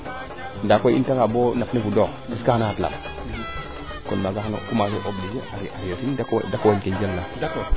kena alimenté an ndaa koy i ndeta nga bo nap le fudoox est que ana xatla kon maaga xano commencer obliger dako wañ ke o jala